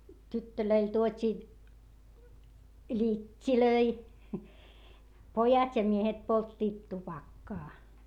tytöille tuotiin littejä pojat ja miehet polttivat tupakkaa